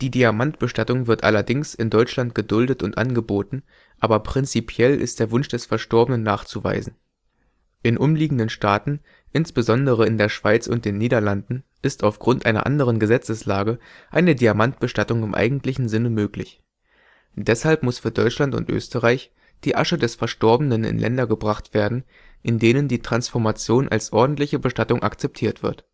Diamantbestattung wird allerdings in Deutschland geduldet und angeboten, aber prinzipiell ist der Wunsch des Verstorbenen nachzuweisen. In umliegenden Staaten, insbesondere in der Schweiz und den Niederlanden ist auf Grund einer anderen Gesetzeslage eine Diamantbestattung im eigentlichen Sinne möglich. Deshalb muss für Deutschland und Österreich die Asche des Verstorbenen in Länder gebracht werden, in denen die „ Transformation “als ordentliche Bestattung akzeptiert wird